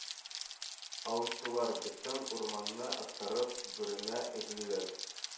Аучылар, бөтен урманны актарып, бүрене эзлиләр